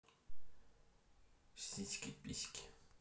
сиськи письки